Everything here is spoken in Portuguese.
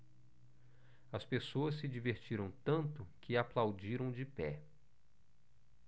as pessoas se divertiram tanto que aplaudiram de pé